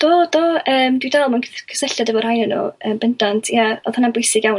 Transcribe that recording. Do, do yym dwi dal mewn cysylltiad efo rhai o n'w yn bendant ia o'dd hynna'n bwysig iawn